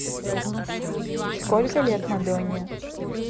сколько лет мадонне